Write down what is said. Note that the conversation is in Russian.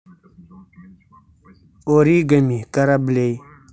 оригами кораблей